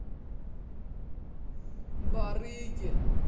барыги